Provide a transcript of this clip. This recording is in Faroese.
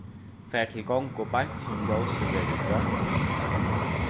far til gongu beint sum ljósið verður grønt